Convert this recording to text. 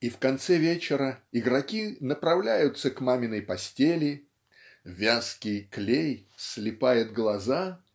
И в конце вечера игроки направляются к маминой постели ("вязкий клей" слипает глаза)